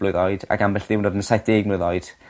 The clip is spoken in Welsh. blwydd oed ac ambell ddiwrnod yn saithdeg mlwydd oed.